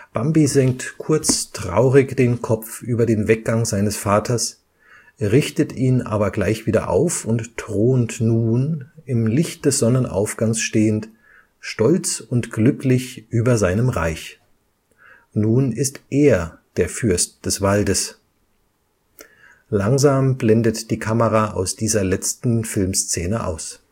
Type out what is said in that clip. Bambi senkt kurz traurig den Kopf über den Weggang seines Vaters, richtet ihn aber gleich wieder auf und thront nun, im Licht des Sonnenaufgangs stehend, stolz und glücklich über seinem Reich. Nun ist er der Fürst des Waldes. Langsam blendet die Kamera aus dieser letzten Filmszene aus